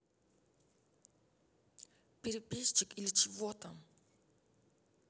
перебежчик или чего там